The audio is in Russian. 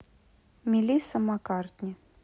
мелисса маккартни